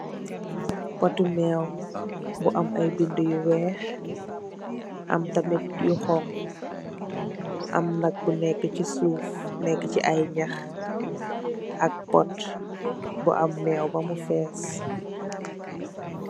Pot ti meew bu am ay bin nduh yu weex am tamit yu xong khu amna bu nekuh ci suff nekuh ci ay nyakh ak pot bu am meew bamu fess